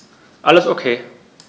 Alles OK.